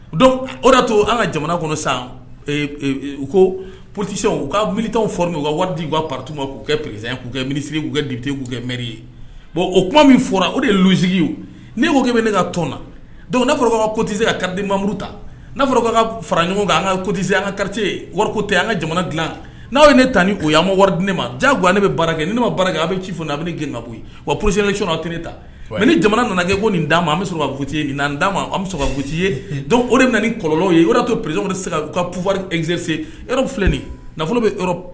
O an ka kɔnɔ u ko ptese ka wari p minite bɔn o min fɔra o de sigi ne tɔn b' ka kotese ka karidenmuru ta fɔra'a ka fara ɲɔgɔn kan an ka kotese an ka karatatete an ka jamana dila n'aw ne tan ni ko'ma wari di ne ma diya gan an ne bɛ baara kɛ ni ne ma baara kɛ a bɛ ci fɔ n' bɛ g koyi wa psiyɔn tɛ ta ni jamana nana kɛ ko nin d'a ma an bɛ sɔrɔti d'a ma an bɛ sɔrɔ kati ye o de nana ni kɔlɔn ye o to perez se ka pfa ezse filɛ nafolo bɛ